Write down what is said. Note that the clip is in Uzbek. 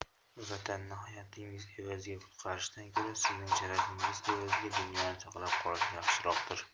vatanni hayotingiz evaziga qutqarishdan ko'ra sizning sharafingiz evaziga dunyoni saqlab qolish yaxshiroqdir